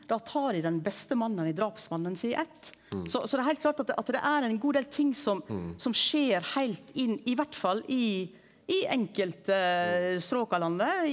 da tar dei den beste mannen i drapsmannen si ætt, så så det er heilt klart at at det er ein god del ting som som skjer heilt inn iallfall i i enkelte .